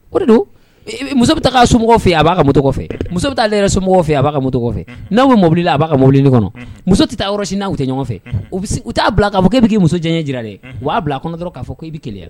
O de don muso bɛ taa somɔgɔw fɛ yen a b'a ka moto kɔfɛ, muso bɛ taa ale yɛrɛ somɔgɔw fɛ a k'a ka moto kɔfɛ, n'a u bɛ mɔbili la a b'a ka mɔbilinin kɔnɔ, muso tɛ taa yɔrɔsi n'a u tɛ ɲɔgɔn fɛ, unhun, u t'a bila k'a k'e bɛ k'i muso diyanye jira dɛ, unhun, b'a bila kɔnɔ dɔrɔn k'a fɔ ko i bɛ keleya